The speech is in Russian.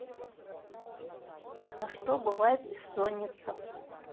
а что бывает бессоница